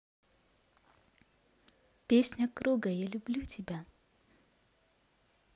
песня круга я люблю тебя